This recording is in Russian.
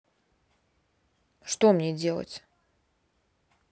что мне делать